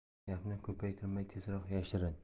gapni ko'paytirmay tezroq yashirin